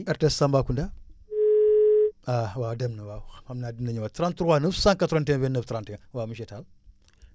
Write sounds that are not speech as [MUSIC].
RTS Tambacounda [NOISE] ah waaw dem na waaw xam naa dina ñëwaat 33 981 29 31 waaw monsieur Tall